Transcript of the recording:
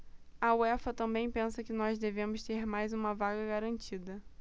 a uefa também pensa que nós devemos ter mais uma vaga garantida